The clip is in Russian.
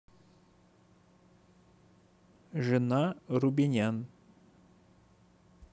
жена рубенян